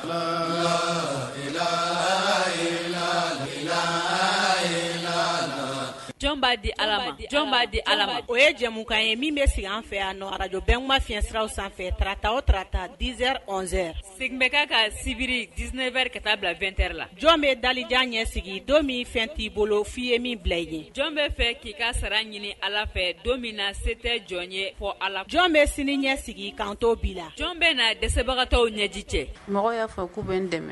'a di di ala o ye jamumukan ye min bɛ sigi an fɛ yanj bɛɛ ma fiɲɛsiraw sanfɛ tata o tata diz z sen bɛ ka ka sibiri dsinɛ wɛrɛri ka taa bila2t la jɔn bɛ dalijan ɲɛ sigi don min fɛn t'i bolo f'i ye min bila i ye jɔn bɛ fɛ k' ii ka sara ɲini ala fɛ don min na se tɛ jɔn ye fɔ a la jɔn bɛ sini ɲɛ sigi kan tɔw bi la jɔn bɛ na dɛsɛbagatɔw ɲɛ ji cɛ mɔgɔ y'a bɛ dɛmɛ